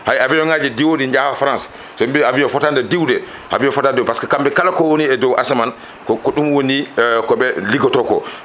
hay avion ngaji diwoji jaaha france soɓe mbi avion fotani diwde avion foti diwde pasque kamɓe kala ko woni e dow asamane ko ko ɗum woni koɓe kiggoto